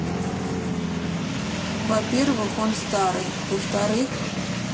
во первых он старый во вторых